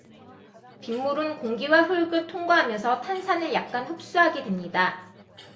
빗물은 공기와 흙을 통과하면서 탄산을 약간 흡수하게 됩니다